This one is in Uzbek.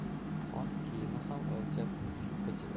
xon kiyimi ham o'lchab bichilar